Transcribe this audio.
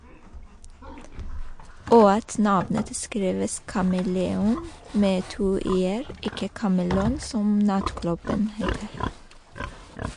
Og at navnet skrives kameleon - med to e-er - ikke "Kamelon", som nattklubben heter.